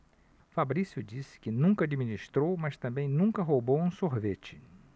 fabrício disse que nunca administrou mas também nunca roubou um sorvete